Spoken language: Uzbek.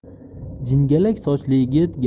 jingalak sochli yigit